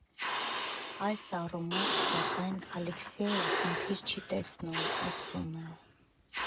Այս առումով, սակայն, Ալեքսեյը խնդիր չի տեսնում, ասում է.